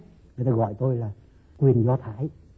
người ta gọi tôi là nguyên do thái